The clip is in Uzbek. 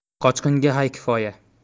qochqinga hay kifoya